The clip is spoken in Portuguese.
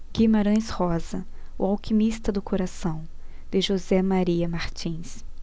guimarães rosa o alquimista do coração de josé maria martins